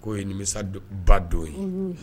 K'o ye nimisa ba don ye